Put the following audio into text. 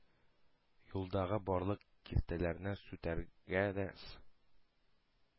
Юлдагы барлык киртәләрне сүтәргә, с